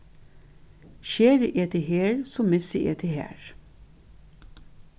skeri eg teg her so missi eg teg har